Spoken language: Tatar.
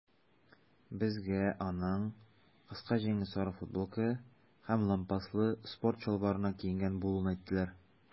Безгә аның кыска җиңле сары футболка һәм лампаслы спорт чалбарына киенгән булуын әйттеләр.